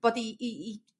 fod 'u 'u 'u